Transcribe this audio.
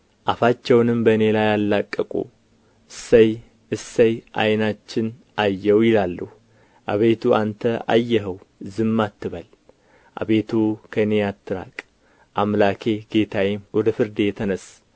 አፋቸውንም በእኔ ላይ አላቀቁ እሰይ እሰይ ዓይናችን አየው ይላሉ አቤቱ አንተ አየኸው ዝም አትበል አቤቱ ከእኔ አትራቅ አምላኬ ጌታዬም ወደ ፍርዴ ተነሥ